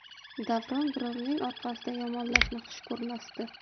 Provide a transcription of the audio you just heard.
davron birovning orqasidan yomonlashni xush ko'rmasdi